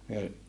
me